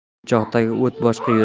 o'choqdagi o't boshqa